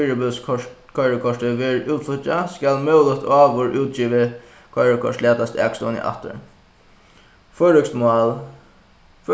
fyribils koyrikortið verður útflýggjað skal møguligt áður útgivið koyrikort latast akstovuni aftur føroyskt mál